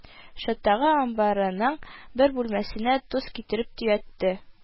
Чаттагы амбарының бер бүлмәсенә тоз китереп төятте